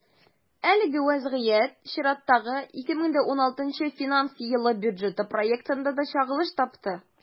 Әлеге вазгыять чираттагы, 2016 финанс елы бюджеты проектында да чагылыш тапты.